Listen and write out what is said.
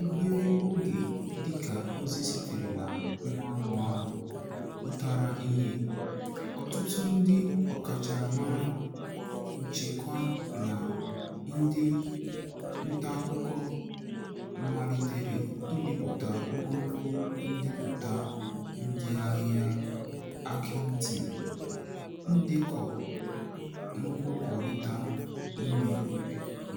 Obere oge dịka ozi sitere na mwakpo ahụ pụtara ìhè, ọtụtụ ndị ọkachamara nchekwa na ndị ntaakụkọ malitere ibipụta ogologo ndepụta ndịahịa Hacking Team, ndekọ nkwukọrịta ime,